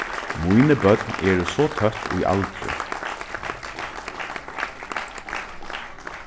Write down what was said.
míni børn eru so tøtt í aldri